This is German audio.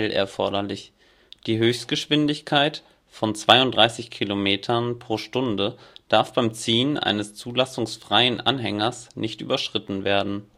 erforderlich. Die Höchstgeschwindigkeit von 32 km/h darf beim Ziehen eines zulassungsfreien Anhängers nicht überschritten werden